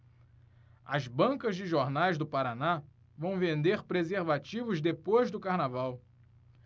as bancas de jornais do paraná vão vender preservativos depois do carnaval